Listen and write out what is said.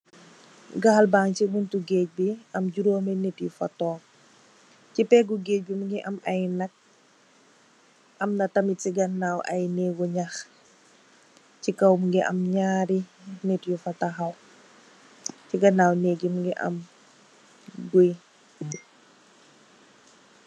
gaal bang ci bunti gauge bi am juromi niit yufa tog sey peggi gauge bi Mungi am i nak am na tamit sey ganaw i neggi nyaah sey kaw Mungi am nyarri nit yufa tahaw sey ganaw neggi Mungi am guug.